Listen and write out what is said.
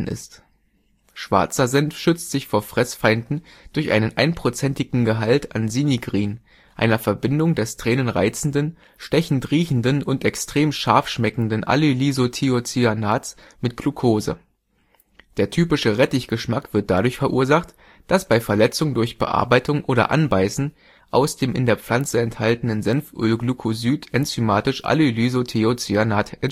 ist. Schwarzer Senf schützt sich vor Fressfeinden durch einen einprozentigen Gehalt an Sinigrin, einer Verbindung des tränenreizenden, stechend riechenden und extrem scharf schmeckenden Allylisothiocyanats mit Glukose. Der typische Rettichgeschmack wird dadurch verursacht, dass bei Verletzung durch Bearbeitung oder Anbeißen aus dem in der Pflanze enthaltenen Senfölglykosid enzymatisch Allylisothiocyanat